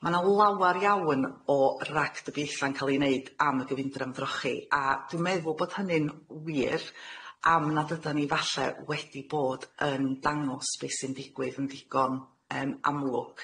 Ma' 'na lawar iawn o ragdybiaethau'n ca'l 'u neud am y gyfundrefn drochi, a dwi'n meddwl bod hynny'n wir am nad ydan ni falle wedi bod yn dangos be' sy'n digwydd yn ddigon yym amlwg.